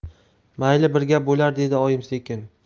mayli bir gap bo'lar dedi oyim sekin